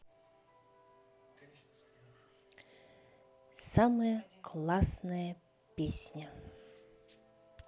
самая классная песня